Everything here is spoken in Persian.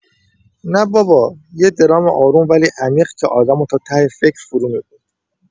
نه بابا، یه درام آروم ولی عمیق که آدمو تا ته فکر فرومی‌برد.